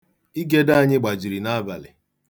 Igede anyị gbajiri n'abalị.